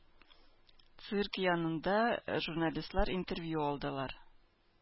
Цирк янында журналистлар интервью алдылар.